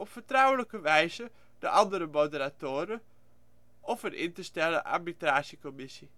vertrouwelijke wijze de andere moderatoren. (of in te stellen arbitrage cie